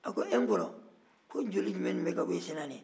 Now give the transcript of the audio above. a ko e n kɔrɔ ko joli jumɛn de bɛka bɔ i sen na nin ye